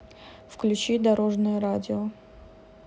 включи дорожное радио